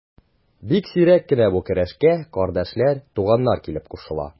Бик сирәк кенә бу көрәшкә кардәшләр, туганнар килеп кушыла.